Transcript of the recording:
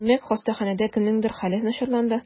Димәк, хастаханәдә кемнеңдер хәле начарланды?